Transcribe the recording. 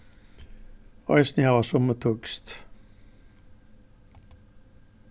eisini hava summi týskt